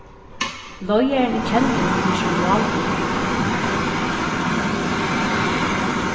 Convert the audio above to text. leiðarin er kendur fyri sín málburð